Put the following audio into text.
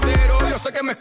các